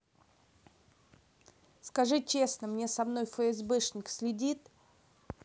скажи честно мне со мной фсбшник следит